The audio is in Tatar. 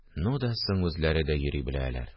– ну да соң үзләре йөри дә беләләр.